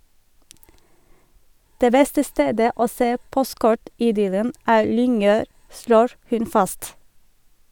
- Det beste stedet å se postkort-idyllen, er Lyngør, slår hun fast.